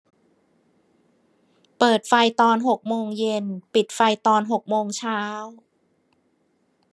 เปิดไฟตอนหกโมงเย็นปิดไฟตอนหกโมงเช้า